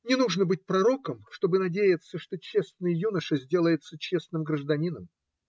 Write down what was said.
Не нужно быть пророком, чтобы надеяться, что честный юноша сделается честным гражданином.